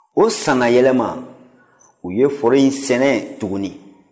o sanyɛlɛma u ye foro in sɛnɛ tuguni